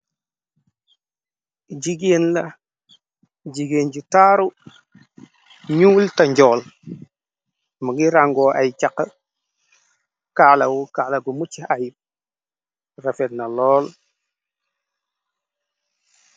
igéenla jigéen ju taaru ñuultanjool mungi rangoo ay cax kaalaw kaalagu mucci ayb rafetna lool